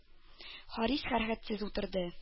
Харис хәрәкәтсез утырды.